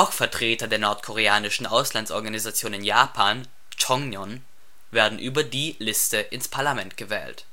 Vertreter der nordkoreanischen Auslandsorganisation in Japan, Ch’ ongryŏn, werden über die Liste ins Parlament gewählt